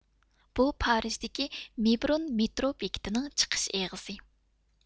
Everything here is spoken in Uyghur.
بۇ پارىژدىكى مېبرون مېترو بېكىتىنىڭ چىقىش ئېغىزى